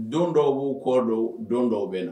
Don dɔw b'u kɔ don don dɔw bɛ na